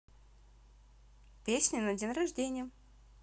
песня на день рождения